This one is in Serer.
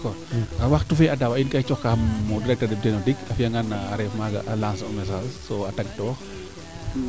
d' accord waxtu fee a dawa in kaa i cooxka Modou rek te demb teeno ndik a fiya ngan a reef maaga a lancer o ,message soo a tag toox